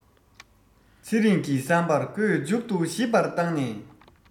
ཚེ རིང གི བསམ པར ཁོས མཇུག ཏུ ཞིབ པར བཏང ནས